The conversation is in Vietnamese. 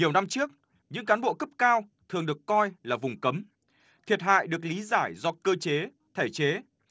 nhiều năm trước những cán bộ cấp cao thường được coi là vùng cấm thiệt hại được lý giải do cơ chế thể chế